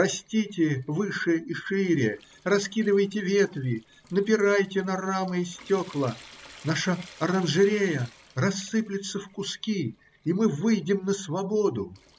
растите выше и шире, раскидывайте ветви, напирайте на рамы и стекла, наша оранжерея рассыплется в куски, и мы выйдем на свободу.